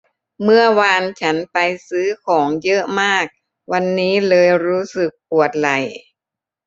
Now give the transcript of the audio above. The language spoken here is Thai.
เมื่อวานฉันไปซื้อของเยอะมากวันนี้เลยรู้สึกปวดไหล่